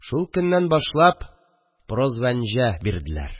Шул көннән башлап прозванҗә бирделәр